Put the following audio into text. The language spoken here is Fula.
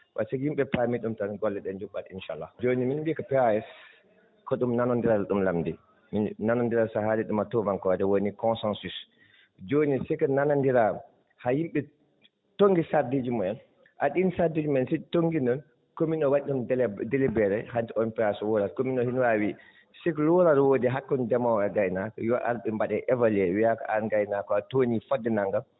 wadde si ko yimɓe ɓee paamii ɗum tan golle ɗee njuɓɓat inchallah jooni min mbiyi ko POAS ko ɗum nanonndiral ɗum lamdii nanonndiral so a haalii ɗum e tuubankoore woni consensus jooni sikke nanonndiraama haa yimɓe toŋngii sarɗiiji mumen haa ɗiin sarɗiiji mumen so ɗi toŋngii noon ccommune oo waɗi ɗum délibéré hadde on POAS comune no waawi sirlu waalla ne woodi hakkunde ndemoowo e gaynaako yo ar ɓe mbaɗee évaluer wiiye aan gaynaako a tooñii fodde nanngam